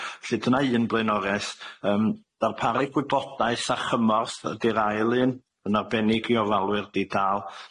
Felly dyna un blaenoriaeth yym darparu gwybodaeth a chymorth ydi'r ail un yn arbennig i ofalwyr di-dal.